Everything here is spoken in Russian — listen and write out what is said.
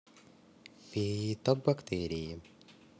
виток бактерии